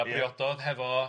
a priododd hefo.